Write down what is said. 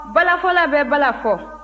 balafɔla bɛ bala fɔ